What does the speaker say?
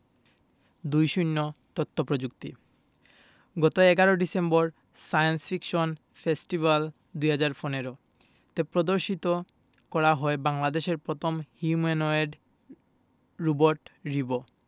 ২০ তথ্য প্রযুক্তি গত ১১ ডিসেম্বর সায়েন্স ফিকশন ফেস্টিভ্যাল ২০১৫ তে প্রদর্শন করা হয় বাংলাদেশের প্রথম হিউম্যানোয়েড রোবট রিবো